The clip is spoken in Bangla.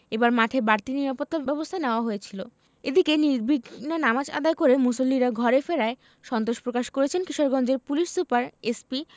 এবার মাঠে বাড়তি নিরাপত্তাব্যবস্থা নেওয়া হয়েছিল এদিকে নির্বিঘ্নে নামাজ আদায় করে মুসল্লিরা ঘরে ফেরায় সন্তোষ প্রকাশ করেছেন কিশোরগঞ্জের পুলিশ সুপার এসপি